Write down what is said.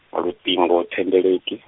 luṱingo, thendeleki.